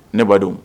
Ne ba don